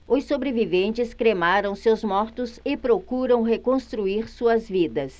os sobreviventes cremaram seus mortos e procuram reconstruir suas vidas